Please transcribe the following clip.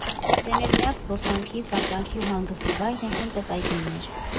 Դե մեր միակ զբոսանքի, զվարճանքի ու հանգստի վայրն էլ հենց էս այգին էր։